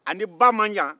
a ni ba man jan